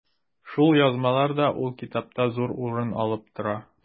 Шул язмалар да ул китапта зур урын алып тора.